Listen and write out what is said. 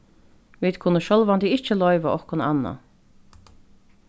vit kunnu sjálvandi ikki loyva okkum annað